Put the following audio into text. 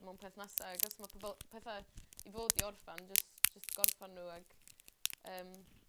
mewn perthnasau ag os ma' pobol pethe i fod i orffan jyst jyst gorffan n'w ag yym